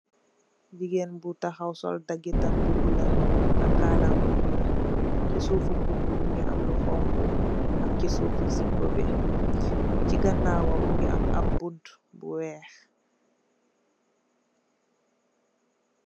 Gigeen bu taxaw sol daget tam bu bula ak kalam bu bula. Ci suufi mbubu bi mugii am lu xonxu ak ci suufu sipu bi. Ci ganaw wam mugii am ap buntu bu wèèx.